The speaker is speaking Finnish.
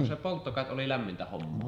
no se poltto kai oli lämmintä hommaa